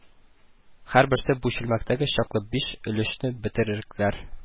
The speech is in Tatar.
Һәрберсе бу чүлмәктәге чаклы биш өлешне бетерерлекләр